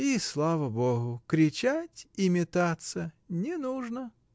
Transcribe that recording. И слава Богу, кричать и метаться не нужно!